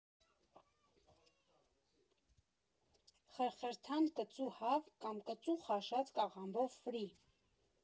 Խրթխրթան կծու հավ կամ կծու խաշած կաղամբով ֆրի։